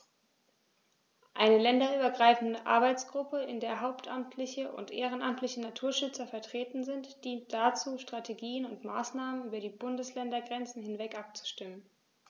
Eine länderübergreifende Arbeitsgruppe, in der hauptamtliche und ehrenamtliche Naturschützer vertreten sind, dient dazu, Strategien und Maßnahmen über die Bundesländergrenzen hinweg abzustimmen.